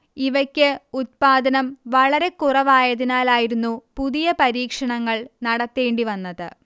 ഇവക്ക് ഉത്പാദനം വളരെക്കുറവായതിനാലായിരുന്നു പുതിയ പരീക്ഷണങ്ങൾ നടത്തേണ്ടി വന്നത്